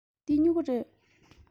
འདི སྨྱུ གུ རེད